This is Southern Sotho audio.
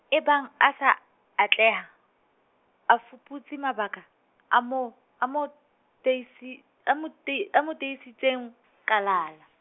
ebang a sa, atleha, a fuputse mabaka, a mo, a mo, teisi-, a mo tei- a mo teisitseng, kalala.